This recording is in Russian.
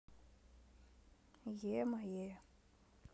е мое